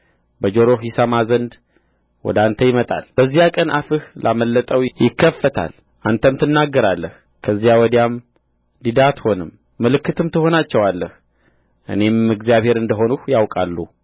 በጆሮህ ያሰማ ዘንድ ወደ አንተ ይመጣል በዚያ ቀን አፍህ ላመለጠው ይከፈታል አንተም ትናገራለህ ከዚያ ወዲያም ዲዳ አትሆንም ምልክትም ትሆናቸዋለህ እኔም እግዚአብሔር እንደ ሆንሁ ያውቃሉ